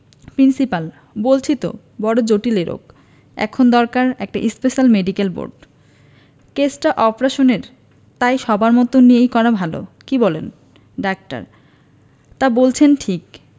principal বলেছি তো বড় জটিল এ রোগ এখন দরকার একটা স্পেশাল মেডিকেল বোর্ড কেসটা অপারেশনের তাই সবার মত নিয়েই করা ভালো কি বলেন ডাক্তার তা বলেছেন ঠিক